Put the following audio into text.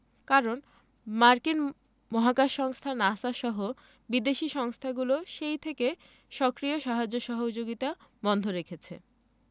কারণ মার্কিন মহাকাশ সংস্থা নাসা সহ বিদেশি সংস্থাগুলো সেই থেকে সক্রিয় সাহায্য সহযোগিতা বন্ধ রেখেছে